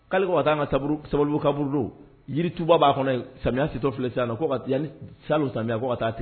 K'ale ko ka taa an kauru sababu kaburulu yiri tuba b'a kɔnɔ samiya si tɔ filɛsi na ko ka sanulu samiya ka taa ten